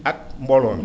ak mbooloo mi